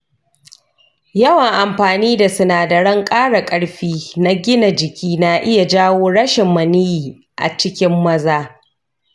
yawan amfani da sinadaran ƙara ƙarfi na gina jiki na iya jawo rashin maniyyi a cikin maza.